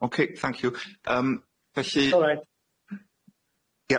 Ok thank you yym felly. Oh right.